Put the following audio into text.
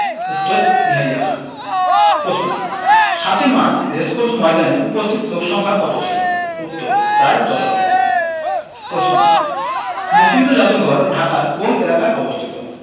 উত্তর ইয়াহিয়া খান প্রশ্ন ৭ই মার্চ রেসকোর্স ময়দানে উপস্থিত লোকসংক্ষা কত ছিলো উত্তর প্রায় দশ লক্ষ প্রশ্ন মুক্তিযুদ্ধ যাদুঘর ঢাকার কোন এলাকায় অবস্থিত